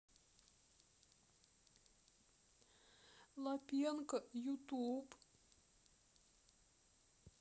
лапенко ютуб